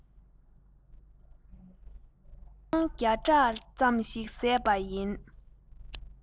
རྐང བརྒྱ ཕྲག ཙམ ཞིག བཟས པ ཡིན